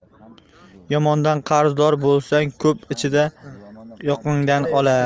yomondan qarzdor bo'lsang ko'p ichida yoqangdan olar